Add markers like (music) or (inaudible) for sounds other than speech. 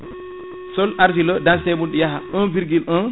(noise) sol agileux denité mum yaaha 1,1